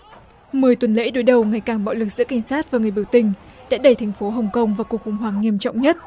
mười tuần lễ đối đầu ngày càng bạo lực giữa cảnh sát và người biểu tình đã đẩy thành phố hồng công và cuộc khủng hoảng nghiêm trọng nhất